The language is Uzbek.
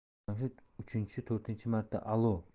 jamshid uchinchi to'rtinchi marta allo